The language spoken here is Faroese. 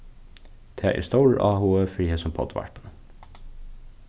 tað er stórur áhugi fyri hesum poddvarpinum